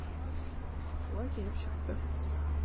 Шулай килеп чыкты.